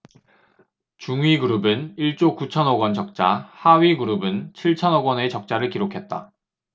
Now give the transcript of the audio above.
중위그룹은 일 조 구천 억원 적자 하위그룹은 칠천 억원 의 적자를 기록했다